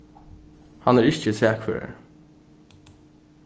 hann er ikki sakførari